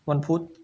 วันพุธ